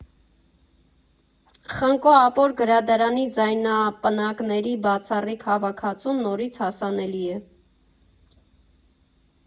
Խնկո֊Ապոր գրադարանի ձայնապնակների բացառիկ հավաքածուն նորից հասանելի է։